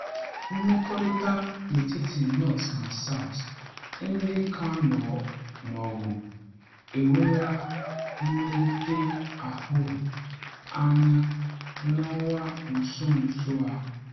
Mmekọrịta n’etiti North na South - ndị ka nọ n’ọgụ - enwela mmelite ahụrụ anya n’ọnwa nso nso a.